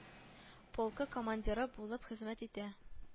Полкы командиры булып хезмәт итә